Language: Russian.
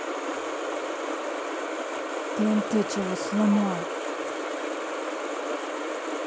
тнт чего сломал